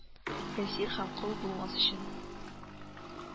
Әсир һәм кол булмас өчен